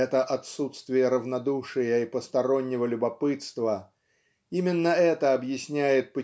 это отсутствие равнодушия и постороннего любопытства именно это объясняет